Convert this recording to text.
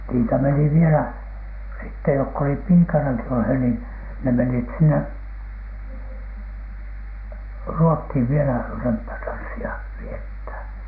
niitä meni vielä sitten jotka olivat piikanakin olleet niin ne menivät sinne Ruotsiin vielä römppätanssia viettämään